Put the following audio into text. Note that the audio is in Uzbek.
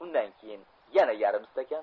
undan keyin yana yarim stakan